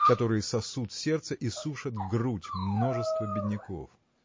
которые сосут сердце и сушат грудь множества бедняков.